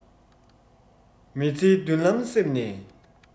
མི ཚེའི མདུན ལམ གསེབ ནས